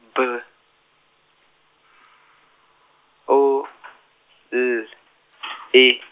B, O , L, E.